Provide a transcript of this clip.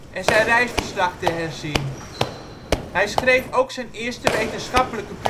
en zijn reisverslag te herzien. Hij schreef ook zijn eerste wetenschappelijke